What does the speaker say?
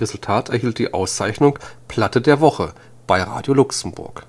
Resultat erhielt die Auszeichnung „ Platte der Woche “bei Radio Luxemburg.